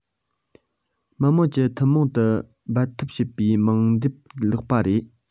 མི རྣམས ཀྱིས ཐུན མོང དུ འབད འཐབ བྱེད པའི དམིགས འབེན བརླག པ རེད